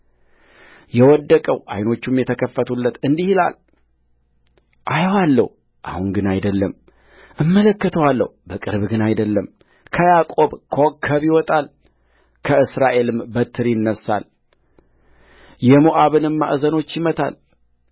የወደቀው ዓይኖቹም የተከፈቱለት እንዲህ ይላልአየዋለሁ አሁን ግን አይደለምእመለከተዋለሁ በቅርብ ግን አይደለምከያዕቆብ ኮከብ ይወጣልከእስራኤል በትር ይነሣልየሞዓብንም ማዕዘኖች ይመታል